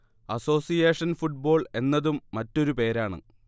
association football എന്നതും മറ്റൊരു പേരാണ്